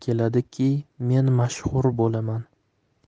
keladiki men mashxur bo'laman